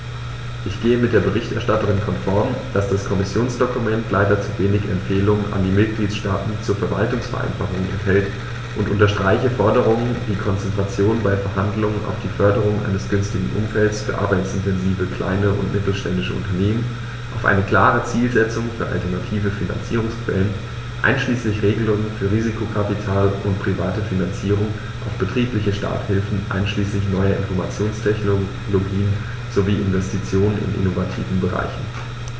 Ich gehe mit der Berichterstatterin konform, dass das Kommissionsdokument leider zu wenig Empfehlungen an die Mitgliedstaaten zur Verwaltungsvereinfachung enthält, und unterstreiche Forderungen wie Konzentration bei Verhandlungen auf die Förderung eines günstigen Umfeldes für arbeitsintensive kleine und mittelständische Unternehmen, auf eine klare Zielsetzung für alternative Finanzierungsquellen einschließlich Regelungen für Risikokapital und private Finanzierung, auf betriebliche Starthilfen einschließlich neuer Informationstechnologien sowie Investitionen in innovativen Bereichen.